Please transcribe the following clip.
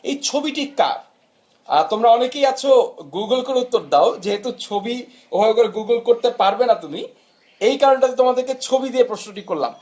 এই ছবিটি কার তোমরা অনেকেই আছো গুগল করে উত্তর দাও যেহেতু ছবি ওভাবে গুগোল করতে পারবে না তুমি এই কারণ টাতে তোমাদেরকে ছবি দিয়ে প্রশ্নটি করলাম